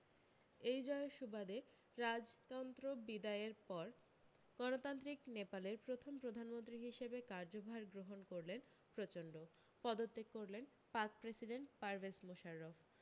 এই জয়ের সুবাদে রাজতন্ত্র বিদায়ের পর গণতান্ত্রিক নেপালের প্রথম প্রধানমন্ত্রী হিসেবে কার্যভার গ্রহন করলেন প্রচণ্ড পদত্যাগ করলেন পাক প্রেসিডেন্ট পারভেজ মুশারফ